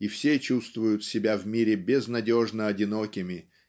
и все чувствуют себя в мире безнадежно одинокими